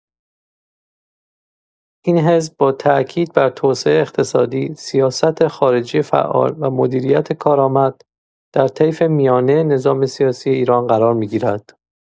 این حزب با تأکید بر توسعه اقتصادی، سیاست‌خارجی فعال و مدیریت کارآمد، در طیف میانه نظام سیاسی ایران قرار می‌گیرد.